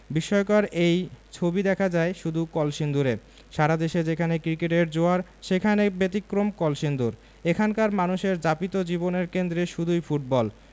বিস্ময়কর এই ছবি দেখা যায় শুধু কলসিন্দুরে সারা দেশে যেখানে ক্রিকেটের জোয়ার সেখানে ব্যতিক্রম কলসিন্দুর এখানকার মানুষের যাপিত জীবনের কেন্দ্রে শুধুই ফুটবল